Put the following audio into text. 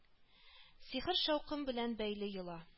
Сихер-шаукым белән бәйле йола